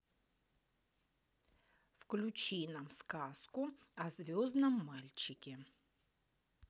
включи нам сказку о звездном мальчике